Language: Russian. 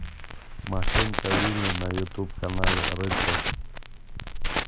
машинка вилли на ютуб канале рыцарь